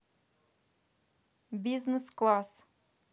бизнес класс